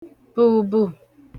bùbù